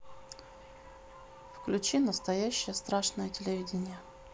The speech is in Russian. включи настоящее страшное телевидение